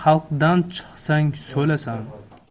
xalqdan chiqsang so'lasan